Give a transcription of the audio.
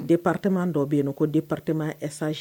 Département dɔ bɛ yen ko département SH